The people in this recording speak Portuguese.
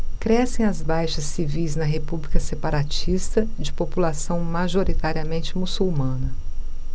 crescem as baixas civis na república separatista de população majoritariamente muçulmana